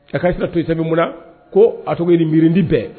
Ka'si to i sɛbɛn mun na ko a cogo mirindi bɛɛ